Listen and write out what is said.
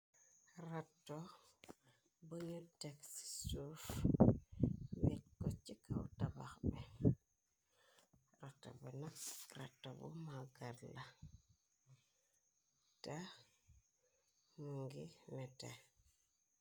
rata bunu texsuf wej ko ci kaw tabax bi rata bu nag rata bu maggar la te mu ngi nete